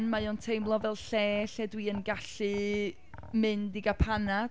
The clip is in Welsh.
Mae o'n teimlo fel lle lle dwi yn gallu, mynd i gael paned...